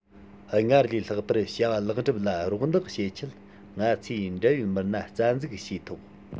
སྔར ལས ལྷག པར བྱ བ ལེགས སྒྲུབ ལ རོགས འདེགས བྱེད ཆེད ང ཚོས འབྲེལ ཡོད མི སྣ རྩ འཛུགས བྱས ཐོག